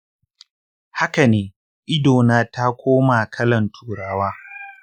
haka ne, idona ta koma kalan toruwa